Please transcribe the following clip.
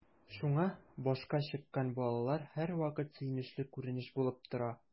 Шуңа “башка чыккан” балалар һәрвакыт сөенечле күренеш булып тора.